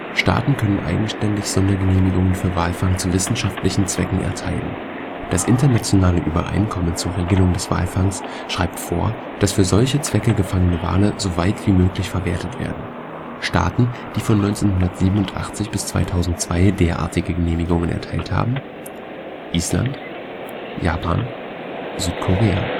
Staaten können eigenständig Sondergenehmigungen für Walfang zu wissenschaftlichen Zwecken erteilen. Das Internationale Übereinkommen zur Regelung des Walfangs schreibt vor, dass für solche Zwecke gefangene Wale so weit wie möglich verwertet werden. Staaten, die von 1987 bis 2002 derartige Genehmigungen erteilt haben†: Island, Japan, Südkorea